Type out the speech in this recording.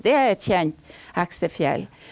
det er et kjent heksefjell.